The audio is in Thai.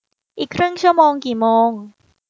อีกครึ่งชั่วโมงกี่โมง